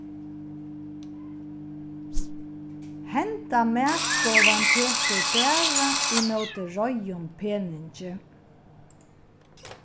henda matstovan tekur bara ímóti reiðum peningi